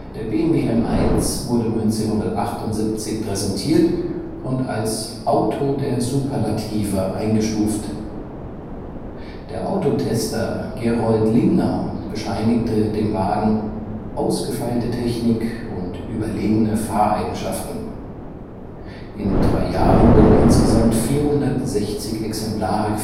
Der BMW M1 wurde 1978 präsentiert und als Auto der Superlative eingestuft. Der Autotester Gerold Lingnau bescheinigte dem Wagen „ ausgefeilte Technik und überlegene Fahreigenschaften “. In drei Jahren wurden insgesamt 460 Exemplare